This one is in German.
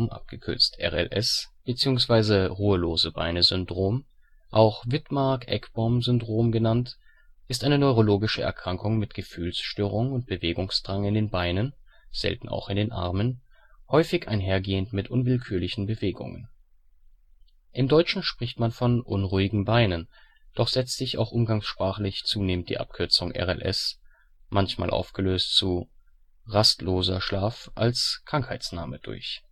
RLS) bzw. Ruhelose-Beine-Syndrom, auch Wittmaack-Ekbom-Syndrom genannt, ist eine neurologische Erkrankung mit Gefühlsstörungen und Bewegungsdrang in den Beinen (selten auch in den Armen), häufig einhergehend mit unwillkürlichen Bewegungen. Im Deutschen spricht man von unruhigen Beinen, doch setzt sich auch umgangssprachlich zunehmend die Abkürzung RLS – manchmal aufgelöst zu Rast-Loser Schlaf – als Krankheitsname durch